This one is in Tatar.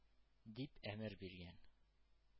— дип әмер биргән.